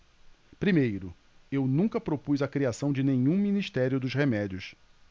primeiro eu nunca propus a criação de nenhum ministério dos remédios